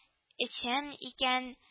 Эчәм икән